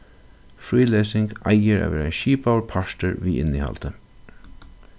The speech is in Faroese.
frílesing eigur at verða ein skipaður partur við innihaldi